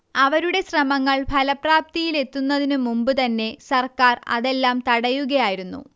അവരുടെ ശ്രമങ്ങൾ ഫലപ്രാപ്തിയിലെത്തുന്നതിനു മുമ്പു തന്നെ സർക്കാർ അതെല്ലാം തടയുകയായിരുന്നു